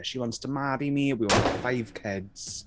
She wants to marry me. We want to have five kids.